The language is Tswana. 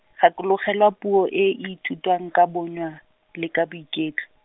gakologelwa puo e ithutiwa ka bonya, le ka boiketlo.